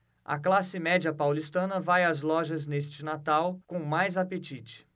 a classe média paulistana vai às lojas neste natal com mais apetite